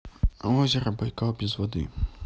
озеро байкал без воды